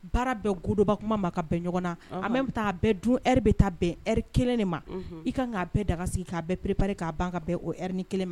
Baara bɛɛ godobatuma ma ka bɛn ɲɔgɔn na en même temps a bɛɛ dun heure bɛ taa bɛn heure kelen de ma , unhun, i kan k'a bɛ daga sigi k'a bɛɛ préparer k'a ban ka bɛn o heure nin kelen ma